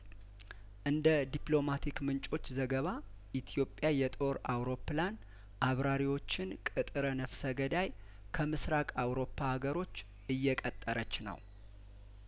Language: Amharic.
እንደ ዲፕሎማቲክ ምንጮች ዘገባ ኢትዮጵያ የጦር አውሮፕላን አብራሪዎችን ቅጥረ ነፍሰ ገዳይ ከምስራቅ አውሮፓ አገሮች እየቀጠረች ነው